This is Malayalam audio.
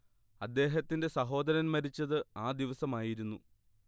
അദ്ദേഹത്തിന്റെ സഹോദരൻ മരിച്ചത് ആ ദിവസമായിരുന്നു